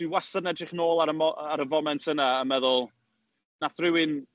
Dwi wastad yn edrych 'nôl ar y mo- ar y foment yna a meddwl, wnaeth rywun…